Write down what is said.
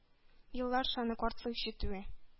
Еллар саны, картлык җитүе.